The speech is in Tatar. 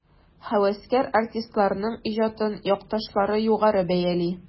Һәвәскәр артистларның иҗатын якташлары югары бәяли.